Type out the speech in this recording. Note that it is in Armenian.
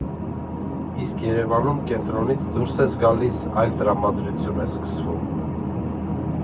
Իսկ Երևանում կենտրոնից դուրս ես գալիս, այլ տրամադրություն է սկսվում։